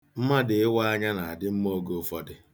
Mmadụ ịwa anya na-adị mma oge ụfọdụ.